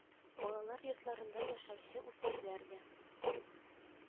Балалар йортларында яшәүче үсмерләр дә